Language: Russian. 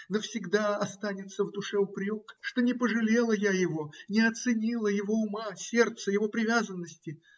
Навсегда останется в душе упрек, что не пожалела я его, не оценила его ума, сердца, его привязанности.